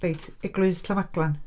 Reit, Eglwys Llanfaglan.